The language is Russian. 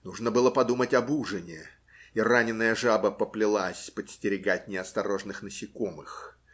нужно было подумать об ужине, и раненая жаба поплелась подстерегать неосторожных насекомых.